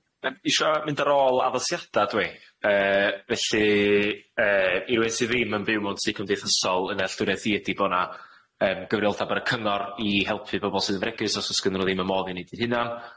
Yym isio mynd ar ôl addasiada' dwi. Yy felly yy i r'wun sy ddim yn byw mewn tŷ cymdeithasol, 'yn nealltwriaeth i ydi bo' 'na yym gyfrifoldeb ar y cyngor i helpu bobol sydd yn fregus os o's gynno nw ddim y modd i neud 'u hunan,